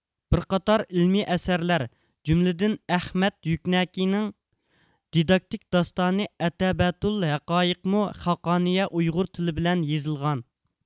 بىر قاتار ئىلمىي ئەسەرلەر جۈملىدىن ئەخمەت يۈكنەكىنىڭ دىداكتىك داستانى ئەتەبەتۇل ھەقايىقمۇ خاقانىيە ئۇيغۇر تىلى بىلەن يېزىلغان